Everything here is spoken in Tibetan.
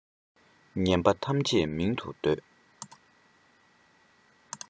ངན པ ཐ ཆད མིང དུ འདོད